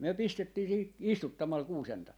me pistettiin siihen istuttamalla kuusentainta